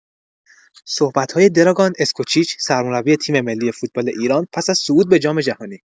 صحبت‌های دراگان اسکوچیچ سرمربی تیم‌ملی فوتبال ایران پس‌از صعود به جام‌جهانی